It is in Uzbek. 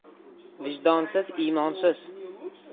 vijdonsiz imonsiz